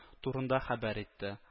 Турында хәбәр итте